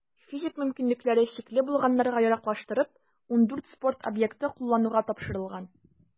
Физик мөмкинлекләре чикле булганнарга яраклаштырып, 14 спорт объекты куллануга тапшырылган.